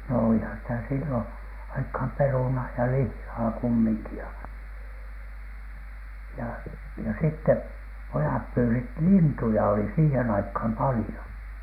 no olihan sitä silloin aikaan perunaa ja lihaa kumminkin ja ja ja sitten pojat pyysivät lintuja oli siihen aikaan paljon